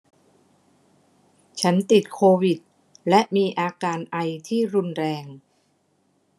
ฉันติดโควิดและมีอาการไอที่รุนแรง